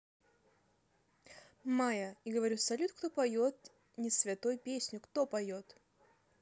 maya и говорю салют кто поет несвятой песню кто поет